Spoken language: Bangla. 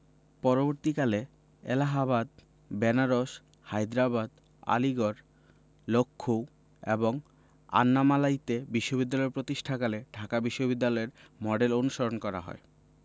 পরবর্তীকালে এলাহাবাদ বেনারস হায়দ্রাবাদ আলীগড় লক্ষ্ণৌ এবং আন্নামালাইতে বিশ্ববিদ্যালয় প্রতিষ্ঠাকালে ঢাকা বিশ্ববিদ্যালয়ের মডেল অনুসরণ করা হয়